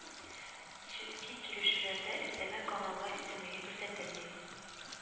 Чөнки килешүләрдә өстәмә каналлар исемлеге күрсәтелми